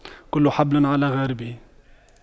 كل حبل على غاربه